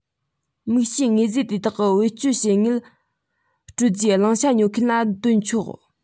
དམིགས བྱའི དངོས རྫས དེ དག གི བེད སྤྱོད བྱེད དངུལ སྤྲོད རྒྱུའི བླང བྱ ཉོ མཁན ལ བཏོན ཆོག